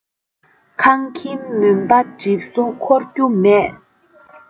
ཁང ཁྱིམ མུན པ གྲིབ སོ འཁོར རྒྱུ མེད